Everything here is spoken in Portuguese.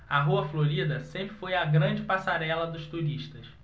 a rua florida sempre foi a grande passarela dos turistas